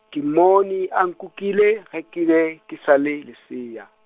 ke mmone a nkukile ge ke be, ke sa le, lesea.